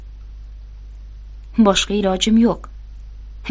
boshqa ilojim yo'q